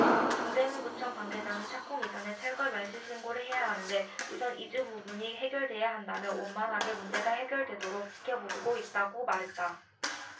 동대문구청 관계자는 착공 이전에 철거 멸실 신고를 해야 하는데 우선 이주 부분이 해결돼야 한다며 원만하게 문제가 해결되도록 지켜보고 있다고 말했다